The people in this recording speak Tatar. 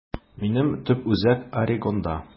Минем төп үзәк Орегонда.